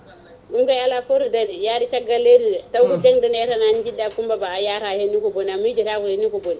ɗum ala fo to dadi yaade caggal leydi de tawi ko dañde nde tan jiɗɗa Coumba Ba a yatani hen ni ko booni a mijotako henni ko booni